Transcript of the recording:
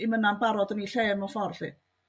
'im yna'n barod yn ei lle mewn ffor' 'llu.